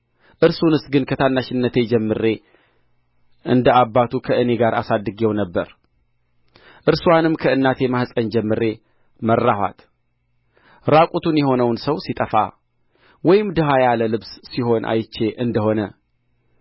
እርሱን ግን ከታናሽነቴ ጀምሬ እንደ አባቱ ከእኔ ጋር አሳድጌው ነበር እርስዋንም ከእናቴ ማኅፀን ጀምሬ መራኋት ራቁቱን የሆነው ሰው ሲጠፋ ወይም ድሀ ያለ ልብስ ሲሆን አይቼ እንደ ሆነ